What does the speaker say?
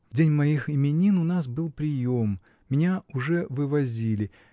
— В день моих именин у нас был прием, меня уже вывозили.